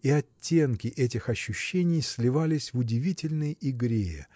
и оттенки этих ощущений сливались в удивительной игре